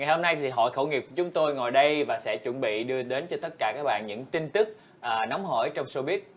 ngày hôm nay thì hội khẩu nghiệp chúng tôi ngồi đây và sẽ chuẩn bị đưa đến cho tất cả các bạn những tin tức à nóng hổi trong sâu bích